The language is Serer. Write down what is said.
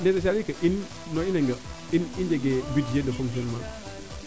i c' est dire que woxey nana in i njege budjet de fonctionnement